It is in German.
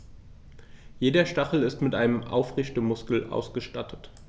Jeder Stachel ist mit einem Aufrichtemuskel ausgestattet.